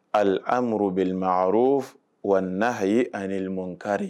Ali amadub wa n na a ye a nimkariri